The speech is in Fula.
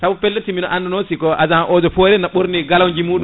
saw to pelepti bino anduno siko agent eaux et forêts na ɓorni galon je muɗum